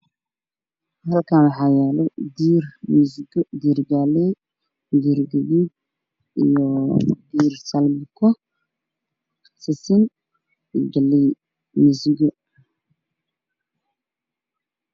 halkan waxaa yalay musiko iyo salmako sasam iyo